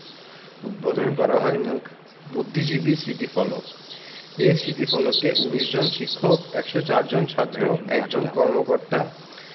উদ্বোধন করা হয় বুদ্ধিজীবী স্মৃতিফলক এই স্থিতিফলকে ১৯ জন শিক্ষক ১০৪ জন ছাত্র ১ জন কর্মকর্তা